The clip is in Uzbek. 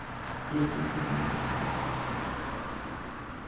lekin o'zimni bosdim